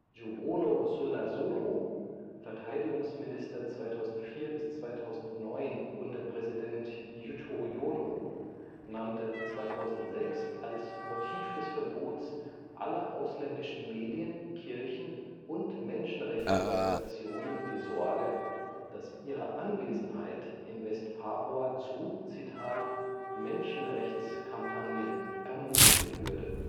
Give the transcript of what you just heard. Juwono Sudarsono, Verteidigungsminister 2004-2009 unter Präsident Yudhoyono, nannte 2006 als Motiv des Verbotes aller ausländischen Medien, Kirchen und Menschenrechtsorganisationen die Sorge, dass ihre Anwesenheit in West Papua „ zu Menschenrechtskampagnen ermutigen würde